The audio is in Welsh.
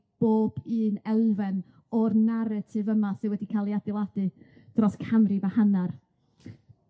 bob un elfen o'r naratif yma sy wedi ca'l 'i adeiladu dros canrif a hannar.